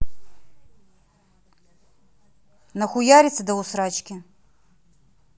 нахуярится до усрачки